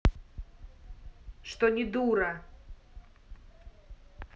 что не дура